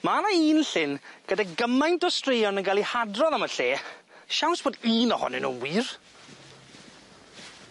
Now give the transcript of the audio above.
Ma' 'na un llyn gyda gymaint o straeon yn ga'l eu hadrodd am y lle siawns bod un ohonyn nw'n wir.